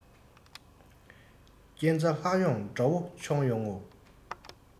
རྐྱེན རྩ ལྷག ཡོང དགྲ བོ མཆོངས ཡོང ངོ